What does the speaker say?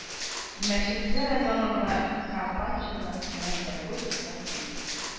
Мәчетле районында Кропачево Мәсәгут Ачит